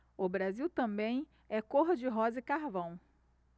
o brasil também é cor de rosa e carvão